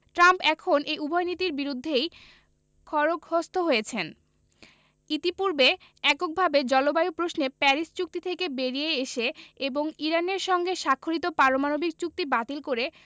Trump এখন এই উভয় নীতির বিরুদ্ধেই খড়গহস্ত হয়েছেন ইতিপূর্বে এককভাবে জলবায়ু প্রশ্নে প্যারিস চুক্তি থেকে বেরিয়ে এসে এবং ইরানের সঙ্গে স্বাক্ষরিত পারমাণবিক চুক্তি বাতিল করে